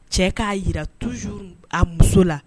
Cɛ k'a jira toujours a muso la